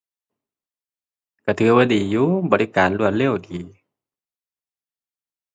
ก็ถือว่าดีอยู่ บริการรวดเร็วดี